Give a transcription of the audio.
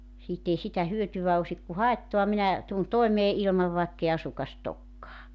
siitä ei sitä hyötyä olisi kun haittaa minä tulen toimeen ilman vaikka ei asukasta olekaan